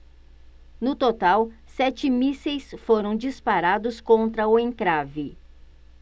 no total sete mísseis foram disparados contra o encrave